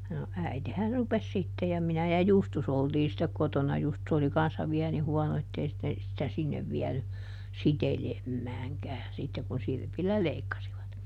no äitihän rupesi sitten ja minä ja Justus oltiin sitten kotona ja Justus oli kanssa vielä niin huono että ei sitten sitä sinne vienyt sitelemäänkään sitten kun sirpillä leikkasivat